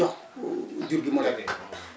jox jur gi mu réglé